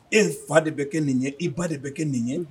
E fa de bɛ kɛ nin ye i ba de bɛ kɛ nin ye